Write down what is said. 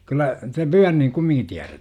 kyllä te Pyörnin kumminkin -